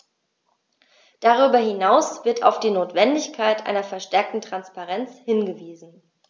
Darüber hinaus wird auf die Notwendigkeit einer verstärkten Transparenz hingewiesen.